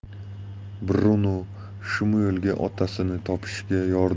bruno shmuelga otasini topishga